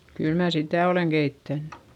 kyllä minä sitä olen keittänyt